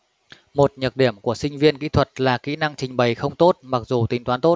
một nhược điểm của sinh viên kỹ thuật là kỹ năng trình bày không tốt mặc dù tính toán tốt